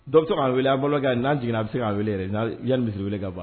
Dɔw bɛ se k' wele a bolo n'a jiginna a bɛ se k'a wele ya misisiri wele ka ban